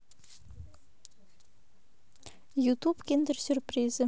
ютуб киндерсюрпризы